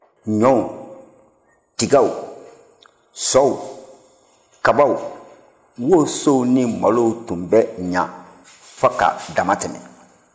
ɲɔw tigaw syɔw kabaw wosow ni malow tun bɛ ɲɛ fɔ ka damatɛmɛ